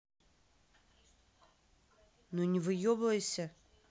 ну и не выебывайся